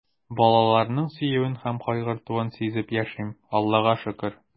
Балаларның сөюен һәм кайгыртуын сизеп яшим, Аллага шөкер.